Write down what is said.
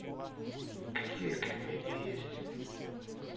какие комедии есть